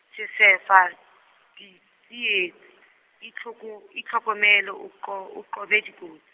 sesefa ditsietsi itlhoko- itlhokomele o qo-, o qobe dikotsi.